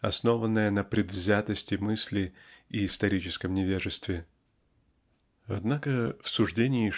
основанное на предвзятости мысли и историческом невежестве. Однако в суждении